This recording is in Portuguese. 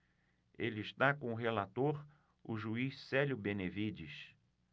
ele está com o relator o juiz célio benevides